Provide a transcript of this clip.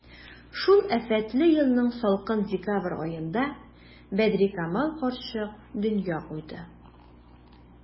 Шул афәтле елның салкын декабрь аенда Бәдрикамал карчык дөнья куйды.